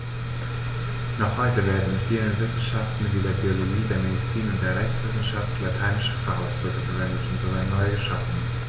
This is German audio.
Noch heute werden in vielen Wissenschaften wie der Biologie, der Medizin und der Rechtswissenschaft lateinische Fachausdrücke verwendet und sogar neu geschaffen.